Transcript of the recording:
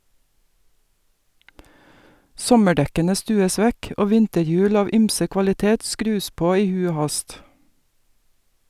Sommerdekkene stues vekk og vinterhjul av ymse kvalitet skrus på i hui og hast.